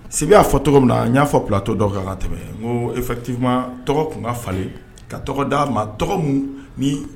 Sibi'a fɔ tɔgɔ min na n y'a fɔ platɔ dɔw kan tɛmɛ ko eti tɔgɔ tun ka falen ka tɔgɔ d' a ma tɔgɔ ni